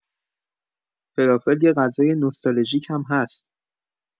فلافل یه غذای نوستالژیک هم هست.